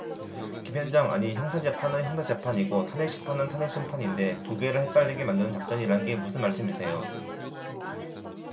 김현정 아니 형사재판은 형사재판이고 탄핵심판은 탄핵심판인데 두 개를 헷갈리게 만드는 작전이라는 게 무슨 말씀이세요